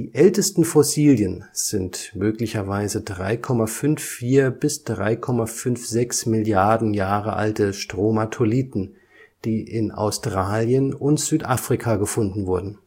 ältesten Fossilien sind möglicherweise 3,54 bis 3,56 Milliarden Jahre alte Stromatolithen, die in Australien und Südafrika gefunden wurden